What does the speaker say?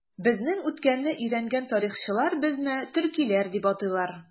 Безнең үткәнне өйрәнгән тарихчылар безне төркиләр дип атыйлар.